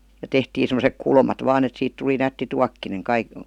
ja tehtiin semmoiset kulmat vain että siitä tuli nätti tuokkonen -